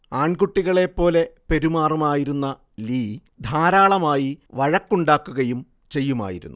ആൺകുട്ടികളെപ്പോലെ പെരുമാറുമായിരുന്ന ലീ ധാരാളമായി വഴക്കുണ്ടാക്കുകയും ചെയ്യുമായിരുന്നു